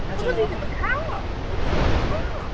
I dunno... Ond oedd hi ddim yn cael, oedd hi ddim yn cael.